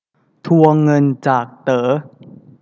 ทวงเงินจากเต๋อ